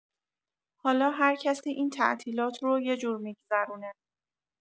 حالا هر کسی این تعطیلات رو یه جور می‌گذرونه.